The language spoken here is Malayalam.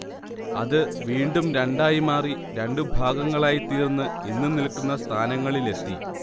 അത് വീണ്ടും രണ്ടായി മാറി രണ്ട് ഭാഗങ്ങളായി തീർന്ന് ഇന്ന് നിൽക്കുന്ന സ്ഥാനങ്ങളിലെത്തി